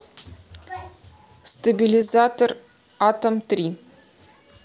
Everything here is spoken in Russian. стабилизатор атом три